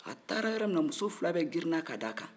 a taara yɔrɔ minna muso fila bɛɛ girinna ka d'a kan